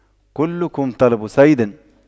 كلكم طلب صيد